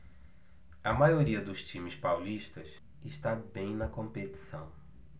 a maioria dos times paulistas está bem na competição